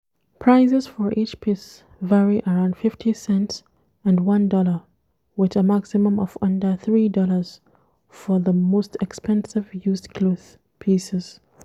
Prices for each piece vary around 50 cents and $1 with a maximum of under $3 for the most expensive used clothes pieces.